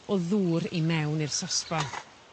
o ddŵr i mewn i'r sosba.